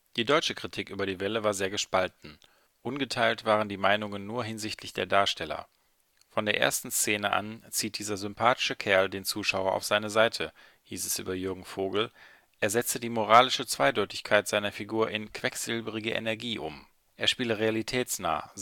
Die deutsche Kritik über Die Welle war sehr gespalten. Ungeteilt waren die Meinungen nur hinsichtlich der Darsteller. „ Von der ersten Szene an zieht dieser sympathische Kerl den Zuschauer auf seine Seite “, hieß es über Jürgen Vogel, er setze die moralische Zweideutigkeit seiner Figur in „ quecksilbrige Energie “um. Er spiele realitätsnah